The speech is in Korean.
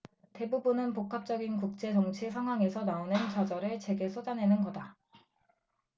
대부분은 복합적인 국제 정치 상황에서 나오는 좌절을 제게 쏟아내는 거다